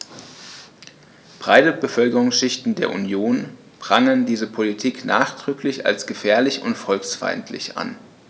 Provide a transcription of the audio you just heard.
Breite Bevölkerungsschichten der Union prangern diese Politik nachdrücklich als gefährlich und volksfeindlich an.